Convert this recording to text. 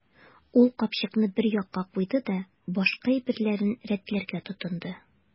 Ул капчыкны бер якка куйды да башка әйберләрен рәтләргә тотынды.